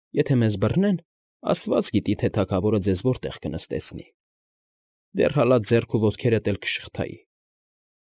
Եթե մեզ բռնեն, աստված գիտի, թե թագավորը ձեզ որտեղ կնստեցնի, դեռ հալա ձեռք ու ոտքերդ էլ կշղթայի։